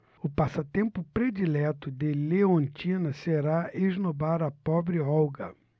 o passatempo predileto de leontina será esnobar a pobre olga